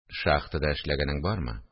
Шахтада эшләгәнең бармы